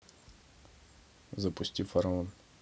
запусти фараон